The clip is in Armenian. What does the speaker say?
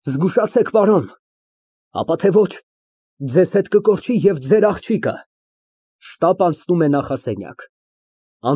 Զգուշացեք պարոն, ապա թե ոչ ձեզ հետ կկորչի և ձեր աղջիկը։ (Շտապ անցնում է նախասենյակ)։